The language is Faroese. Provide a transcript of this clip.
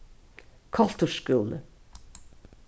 kolturs skúli